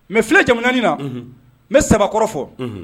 Mɛ filɛ jamanaani na n bɛ sabakɔrɔ fɔ